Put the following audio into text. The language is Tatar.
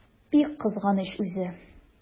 Бик кызганыч үзе!